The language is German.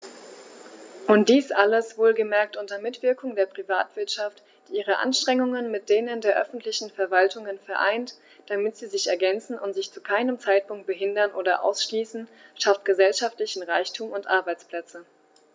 Und dies alles - wohlgemerkt unter Mitwirkung der Privatwirtschaft, die ihre Anstrengungen mit denen der öffentlichen Verwaltungen vereint, damit sie sich ergänzen und sich zu keinem Zeitpunkt behindern oder ausschließen schafft gesellschaftlichen Reichtum und Arbeitsplätze.